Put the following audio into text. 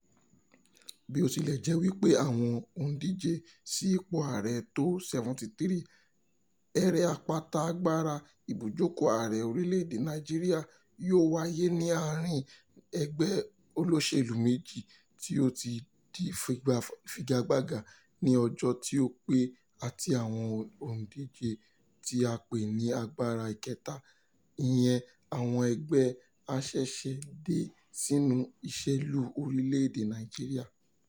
Bí-ó-ti-lẹ̀-jẹ́-wípé àwọn òǹdíje sí ipò ààrẹ t'ó 73, eré Àpáta Agbára – ibùjókòó ààrẹ orílẹ̀-èdè Nàìjíríà – yóò wáyé ní àárín-in ẹgbẹ́ olóṣèlú méjì tí ó ti ń figagbága ní ọjọ́ tí ó ti pẹ́ àti àwọn òǹdíje tí a pè ní "agbára ìkẹta", ìyẹn àwọn ẹgbẹ́ a ṣẹ̀ṣẹ̀ dé sínú ìṣèlú orílẹ̀-èdè Nàìjíríà.